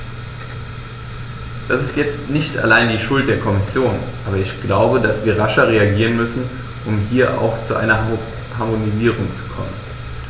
Das ist jetzt nicht allein die Schuld der Kommission, aber ich glaube, dass wir rascher reagieren müssen, um hier auch zu einer Harmonisierung zu kommen.